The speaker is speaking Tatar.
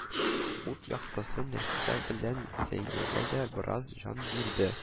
Ут яктысы Нәфисә белән Зәйнигә дә бераз җан бирде